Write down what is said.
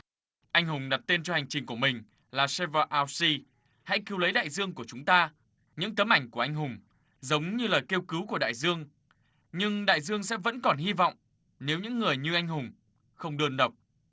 anh hùng đặt tên cho hành trình của mình là sây vờ ao si hãy cứu lấy đại dương của chúng ta những tấm ảnh của anh hùng giống như lời kêu cứu của đại dương nhưng đại dương sẽ vẫn còn hy vọng nếu những người như anh hùng không đơn độc